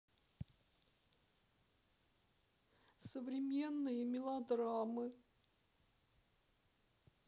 современные мелодрамы